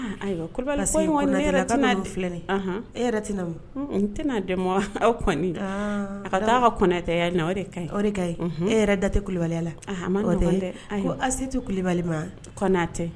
Annn ayiwa Kulibali ko in ŋɔni ne yɛrɛ tina d parce que Konatelaka ninnu filɛ nin ye anhan e yɛrɛ te na mun n te na de muwa ɔ kɔni annnn a ka taa ka Konateya in na o de kaɲi o de kaɲi unhun e yɛrɛ da tɛ Kulibaliya la aah a man nɔgɔn dɛ o tɛ ayi ko Assetou Kulibali ma Kɔnate